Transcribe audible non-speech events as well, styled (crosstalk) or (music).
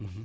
(hesitation) (hesitation)